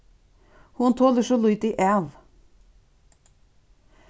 hon tolir so lítið av